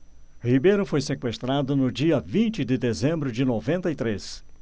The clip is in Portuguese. ribeiro foi sequestrado no dia vinte de dezembro de noventa e três